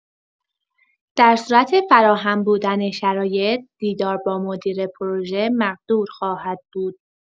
در صورت فراهم بودن شرایط، دیدار با مدیر پروژه مقدور خواهد بود.